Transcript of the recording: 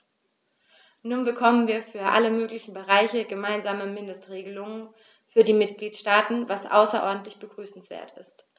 Nun bekommen wir für alle möglichen Bereiche gemeinsame Mindestregelungen für die Mitgliedstaaten, was außerordentlich begrüßenswert ist.